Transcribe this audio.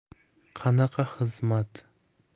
qanaqa xizmat